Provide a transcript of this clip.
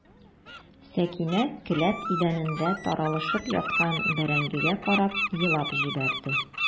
Сәкинә келәт идәнендә таралышып яткан бәрәңгегә карап елап җибәрде.